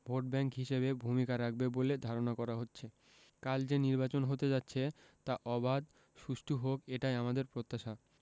vote bank হিসেবে ভূমিকা রাখবে বলে ধারণা করা হচ্ছে কাল যে নির্বাচন হতে যাচ্ছে তা অবাধ সুষ্ঠু হোক এটাই আমাদের প্রত্যাশা